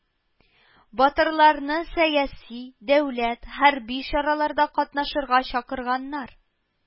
Батырларны сәяси, дәүләт, хәрби чараларда катнашырга чакырганнар